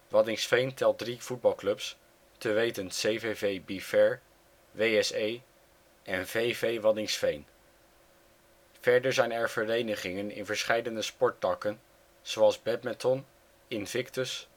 Waddinxveen telt drie voetbalclubs, te weten CVV Be Fair, WSE en VV Waddinxveen. Verder zijn er verenigingen in verscheidene sporttakken, zoals badminton (Invictus